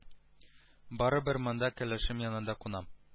Барыбер монда кәләшем янында кунам